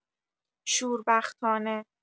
شوربختانه